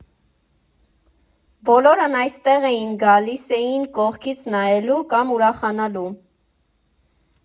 Բոլորն այստեղ էին, գալիս էին կողքից նայելու կամ ուրախանալու։